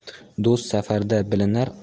do'st safarda bilinar